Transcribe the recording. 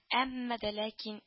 Әмма дә ләкин